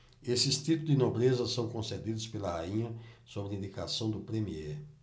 esses títulos de nobreza são concedidos pela rainha sob indicação do premiê